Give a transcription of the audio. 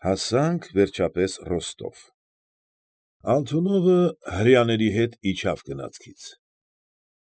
Հասանք վերջապես Ռոստով։ Ալթունովը հրեաների հետ իջավ գնացքից։